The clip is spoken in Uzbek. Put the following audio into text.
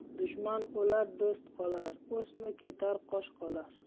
dushman o'lar do'st qolar o'sma ketar qosh qolar